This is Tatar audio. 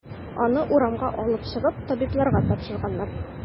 Аны урамга алып чыгып, табибларга тапшырганнар.